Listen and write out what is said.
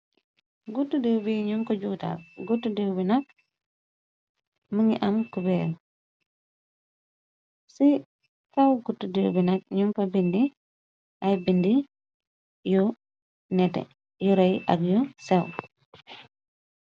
Guutu diiw bi ñum ko juutaal guttu diiw bi nag mongi am kubeer ci kaw guttu diiw bi nak nyun fa binda ay bindi yu nete ak yu séw.